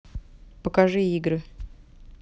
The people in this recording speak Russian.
покажи игры